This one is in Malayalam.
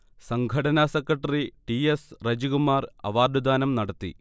സംഘടനാ സെക്രട്ടറി ടി. എസ്. റജികുമാർ അവാർഡ്ദാനം നടത്തി